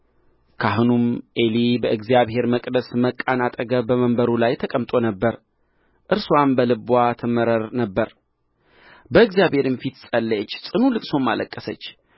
ካህኑም ዔሊ በእግዚአብሔር መቅደስ መቃን አጠገብ በመንበሩ ላይ ተቀምጦ ነበር እርስዋም በልብዋ ትመረር ነበር በእግዚአብሔር ፊት ጸለየች ጽኑ ልቅሶም አለቀሰች